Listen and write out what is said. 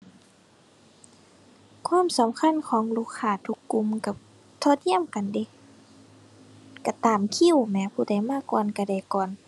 ความสำคัญของลูกค้าทุกกลุ่มก็เท่าเทียมกันเดะ ก็ตามคิวแหม ผู้ใดมาก่อนก็ได้ก่อน